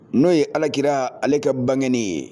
N'o ye alakira ale ka banni ye